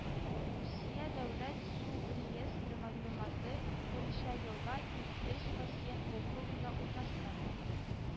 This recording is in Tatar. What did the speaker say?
Русия дәүләт су реестры мәгълүматы буенча елга Иртеш бассейн округында урнашкан